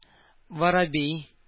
Воробей